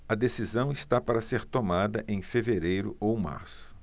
a decisão está para ser tomada em fevereiro ou março